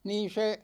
niin se